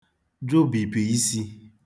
jụbìpụ̀ isī